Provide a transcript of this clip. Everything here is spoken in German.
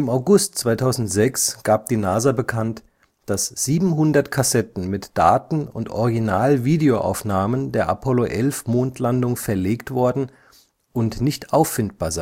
August 2006 gab die NASA bekannt, dass 700 Kassetten mit Daten und Originalvideoaufnahmen der Apollo-11-Mondlandung verlegt worden und nicht auffindbar